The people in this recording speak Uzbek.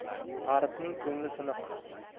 g'aribning ko'ngli siniq